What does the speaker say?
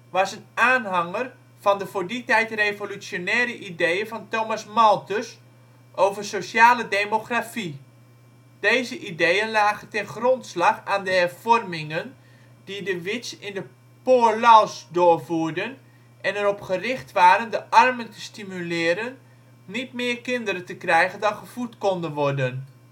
was een aanhanger van de voor die tijd revolutionaire ideeën van Thomas Malthus (1766-1834) over sociale demografie. Deze ideeën lagen ten grondslag aan de hervormingen die de Whigs in de Poor Laws doorvoerden en erop gericht waren de armen te stimuleren niet meer kinderen te krijgen dan gevoed konden worden